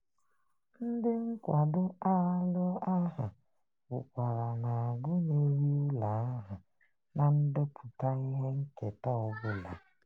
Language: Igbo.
Ndị nkwado AL ahụ kwukwara na a gụnyeghị ụlọ ahụ na ndepụta ihe nketa ọ bụla.